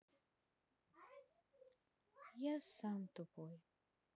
я сам тупой